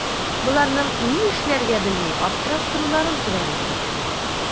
Боларның ни эшләргә белми аптырап торуларын күрәбез бит.